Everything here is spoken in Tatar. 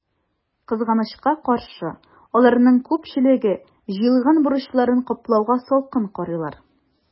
Кызганычка каршы, аларның күпчелеге җыелган бурычларын каплауга салкын карыйлар.